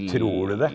tror du det?